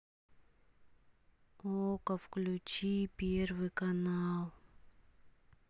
окко включи первый канал